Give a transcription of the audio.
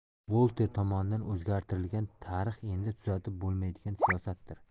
volter tomonidan o'zgartirilgan tarix endi tuzatib bo'lmaydigan siyosatdir